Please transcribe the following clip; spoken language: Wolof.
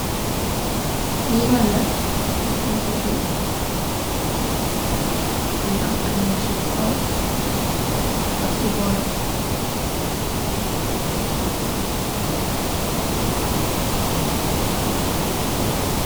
Li lal la mugii tégu ci suuf mugii am almor ci kaw ak ci bóram.